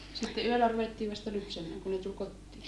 sitten yöllä ruvettiin vasta lypsämään kun ne tuli kotiin